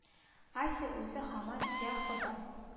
Ася үзе һаман йа хода